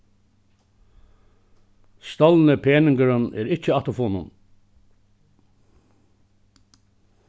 stolni peningurin er ikki afturfunnin